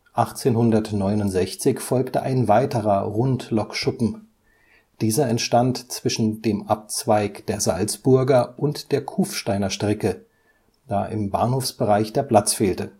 1869 folgte ein weiterer Rundlokschuppen, dieser entstand zwischen dem Abzweig der Salzburger und der Kufsteiner Strecke, da im Bahnhofsbereich der Platz fehlte